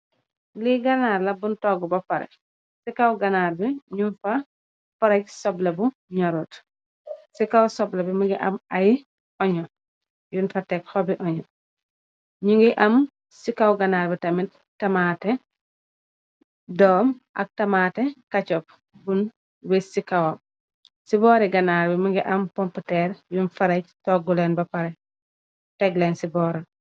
Li ganar la bung togu ba pareh si kaw ganar bi nyun fa fereg soble bu norut si kaw suple bi mogi am ono nyun fa teck hoobi ono mogi am si kaw ganar bi tamit tamate dom ak tamate ketchup bung wiss si kawam si bori ganar mogi am pompiter yun fereg togu len ba pareh teck len si boram.